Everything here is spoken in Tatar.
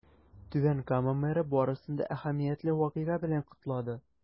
Түбән Кама мэры барысын да әһәмиятле вакыйга белән котлады.